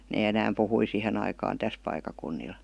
ne enää puhui siihen aikaan tässä paikkakunnilla